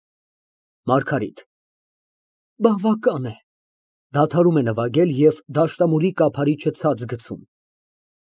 ՄԱՐԳԱՐԻՏ ֊ Բավական է։ (Դադարում է նվագել և դաշնամուրի կափարիչը ցած գցում։